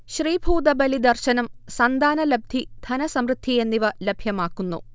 ശ്രീഭൂതബലി ദർശനം സന്താനലബ്ധി, ധനസമൃദ്ധി എന്നിവ ലഭ്യമാക്കുന്നു